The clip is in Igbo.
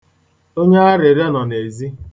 Onye arị̀rịọ nọ n'ezi.